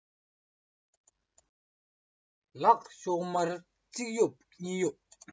ལག ཤོག དམར གཅིག གཡོབ གཉིས གཡོབ